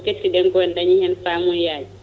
ketti ɗenko en dañi hen famuyaji